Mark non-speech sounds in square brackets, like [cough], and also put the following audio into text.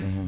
[hesitation] [hesitation]